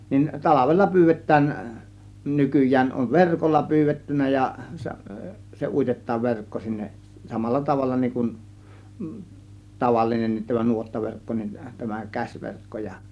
niin talvella pyydetään nykyään on verkolla pyydetty ja se uitetaan verkko sinne samalla tavalla niin kuin tavallinenkin tämä nuottaverkko niin tämä käsiverkko ja